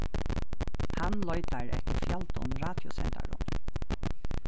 hann leitar eftir fjaldum radiosendarum